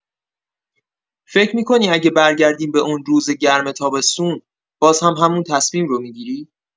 فکر می‌کنی اگه برگردیم به اون روز گرم تابستون، باز هم همون تصمیم رو می‌گیری؟